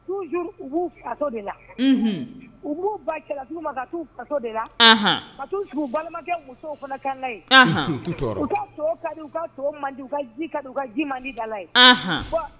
Ba ma ka balimakɛ ji man dala